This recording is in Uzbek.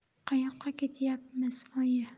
qayoqqa ketyapmiz oyi